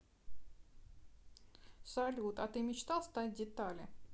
салют а ты мечтал стать детали